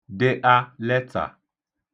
deta letà